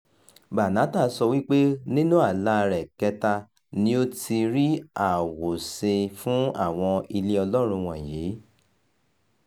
Banatah sọ wípé nínú àláa rẹ̀ kẹ́ta ni ó ti rí àwòṣe fún àwọn ilé Ọlọ́run wọ̀nyí.